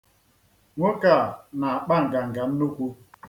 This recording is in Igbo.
Nwoke a na-akpa nganga nnukwu.